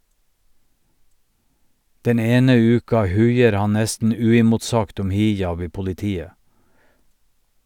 Den ene uka huier han nesten uimotsagt om hijab i politiet.